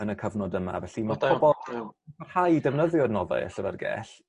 yn y cyfnod yma felly ma' pobol... . ...parhau i defnyddio adnoddau y llyfyrgell